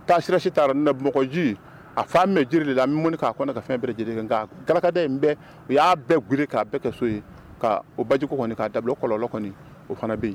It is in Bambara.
Taa sirasi ta mɔgɔji a fa mɛn jiri de la k'a ka fɛn gada u y'a bɛɛ g bɛɛ kɛ so yen' baji'a da kɔlɔn o fana bɛ yen